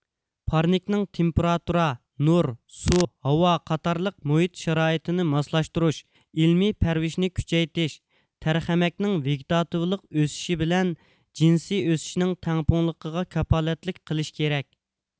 پارنىكنىڭ تېمپېراتۇرا نۇر سۇ ھاۋا قاتارلىق مۇھىت شارائىتىنى ماسلاشتۇرۇش ئىلمىي پەرۋىشنى كۈچەيتىش تەرخەمەكنىڭ ۋېگىتاتىۋلىق ئۆسۈشى بىلەن جىنسىي ئۆسۈشىنىڭ تەڭپۇڭلۇقىغا كاپالەتلىك قىلىش كېرەك